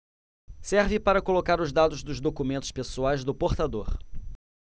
serve para colocar os dados dos documentos pessoais do portador